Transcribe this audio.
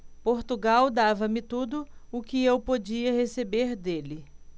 portugal dava-me tudo o que eu podia receber dele